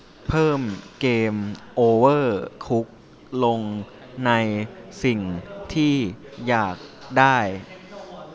เพิ่มเกมโอเวอร์ลงในสิ่งที่อยากได้